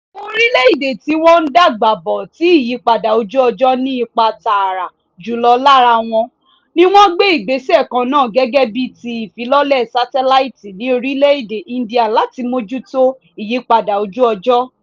Àwọn orílẹ̀-èdè tí wọ́n ń dàgbà bọ̀ tí ìyípadà ojú ọjọ́ ní ipa tààrà jùlọ lára wọn, ni wọ́n gbé ìgbésẹ̀ kannáà gẹ́gẹ́ bíi ti ìfilọ́lẹ̀ sátáláìtì ní orílẹ̀-èdè India láti mójútó ìyípadà ojú ọjọ́.